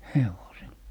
hevosilla